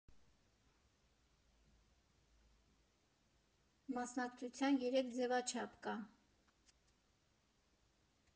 Մասնակցության երեք ձևաչափ կա.